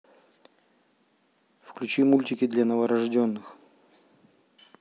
включи мультики для новорожденных